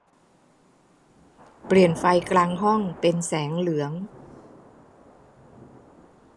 เปลี่ยนไฟกลางห้องเป็นแสงเหลือง